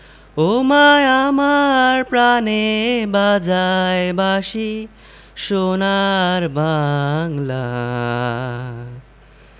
ওমা আমার প্রানে বাজায় বাঁশি সোনার বাংলা